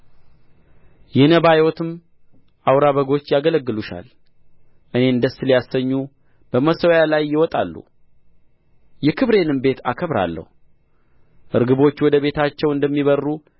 የነባዮትም አውራ በጎች ያገለግሉሻል እኔን ደስ ሊያሰኙ በመሠዊያዬ ላይ ይወጣሉ የክብሬንም ቤት አከብራለሁ ርግቦች ወደ ቤታቸው እንደሚበርሩ